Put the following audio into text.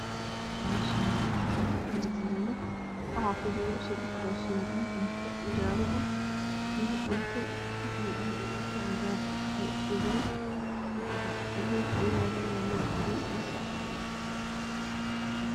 Meshani saxan cad ayayalo waxakujiro sedax rashin cunto jale ah cunto qahwi ah io cunto cadan io qaxwi iskukujiro mesha oow yalo waa mel cades ah